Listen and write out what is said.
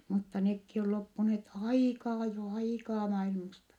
mutta nekin on loppuneet aikaa jo aikaa maailmasta